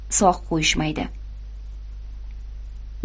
sog' qo'yishmaydi